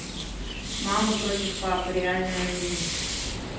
мама против папы реальная жизнь